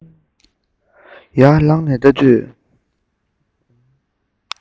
ཡར བླངས ནས ལྟ དུས